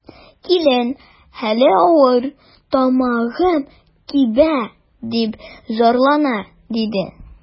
Килен: хәле авыр, тамагым кибә, дип зарлана, диде.